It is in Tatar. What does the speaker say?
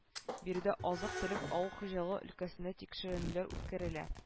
Биредә азык-төлек авыл хуҗалыгы өлкәсендә тикшеренүләр үткәрелә